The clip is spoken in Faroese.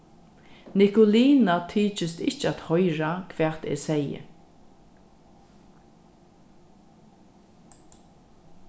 nikolina tykist ikki at hoyra hvat eg segði